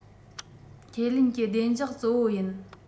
ཁས ལེན ཀྱི བདེ འཇགས གཙོ བོ ཡིན